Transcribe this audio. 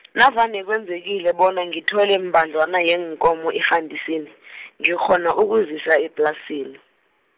navane kwenzekile bona ngithole mbadlwana yeenkomo efandesini , ngikghona ukuzisa eplasini.